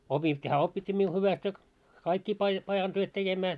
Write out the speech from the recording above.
opittiin hän opetti minun hyvästi ja kaikkia - pajan työt tekemään